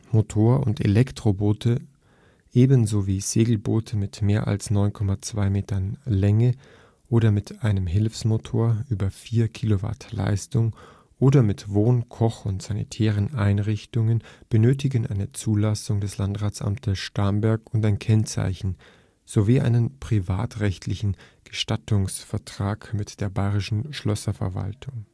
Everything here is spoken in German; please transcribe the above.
Motor - und Elektroboote ebenso wie Segelboote mit mehr als 9,20 m Länge oder mit einem Hilfsmotor über vier Kilowatt Leistung oder mit Wohn -, Koch - oder sanitären Einrichtungen benötigen eine Zulassung des Landratsamtes Starnberg und ein Kennzeichen sowie einen privatrechtlichen Gestattungsvertrag mit der Bayerischen Schlösserverwaltung